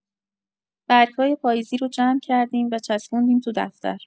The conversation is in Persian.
برگ‌های پاییزی رو جمع کردیم و چسبوندیم تو دفتر.